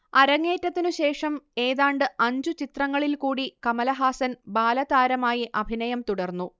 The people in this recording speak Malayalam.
അരങ്ങേറ്റത്തിനു ശേഷം ഏതാണ്ട് അഞ്ചു ചിത്രങ്ങളിൽകൂടി കമലഹാസൻ ബാലതാരമായി അഭിനയം തുടർന്നു